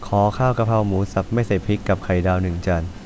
ขอข้าวกะเพราหมูสับไม่ใส่พริกกับไข่ดาวหนึ่งจาน